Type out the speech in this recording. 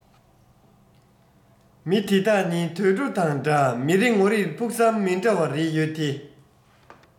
མི དེ དག ནི དུད འགྲོ དང འདྲ མི རེ ངོ རེར ཕུགས བསམ མི འདྲ བ རེ ཡོད དེ